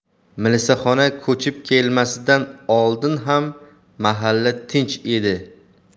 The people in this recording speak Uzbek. milisaxona ko'chib kelmasidan oldin ham mahalla tinch edi